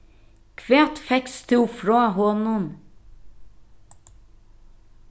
hvat fekst tú frá honum